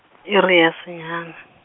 iri ya senyana.